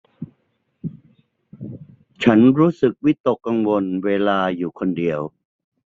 ฉันรู้สึกวิตกกังวลเวลาอยู่คนเดียว